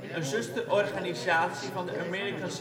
Een zusterorganisatie van de American Civil